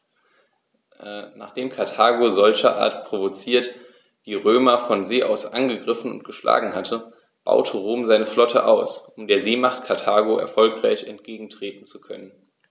Nachdem Karthago, solcherart provoziert, die Römer von See aus angegriffen und geschlagen hatte, baute Rom seine Flotte aus, um der Seemacht Karthago erfolgreich entgegentreten zu können.